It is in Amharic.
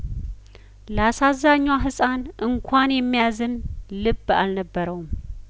ላሳዛኟ ህጻን እንኳን የሚያዝን ልብ አልነበረውም